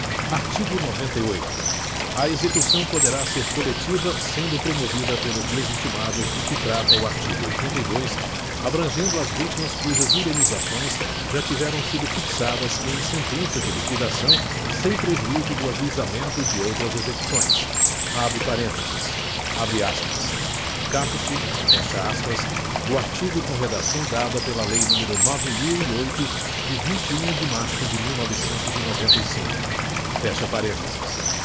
artigo noventa e oito a execução poderá ser coletiva sendo promovida pelos legitimados de que trata o artigo oitenta e dois abrangendo as vítimas cujas indenizações já tiveram sido fixadas em sentença de liquidação sem prejuízo do ajuizamento de outras execuções abre parênteses abre aspas caput fecha aspas do artigo com redação dada pela lei número nove mil e oito de vinte e um de março de mil novecentos e noventa e cinco fecha parênteses